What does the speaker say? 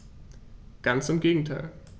Ganz im Gegenteil.